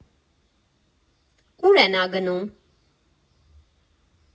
Ո՞ւր է նա գնում։